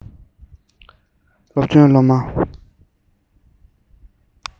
སློབ ཐོན སློབ མ